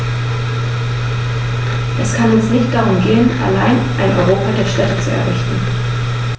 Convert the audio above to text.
Es kann uns nicht darum gehen, allein ein Europa der Städte zu errichten.